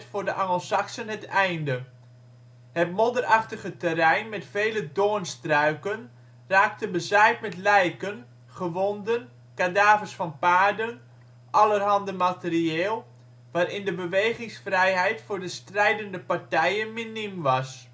voor de Angelsaksen het einde. Het modderachtige terrein, met vele doornstruiken, raakte bezaaid met lijken, gewonden, kadavers van paarden, allerhande materieel, waarin de bewegingsvrijheid voor de strijdende partijen miniem was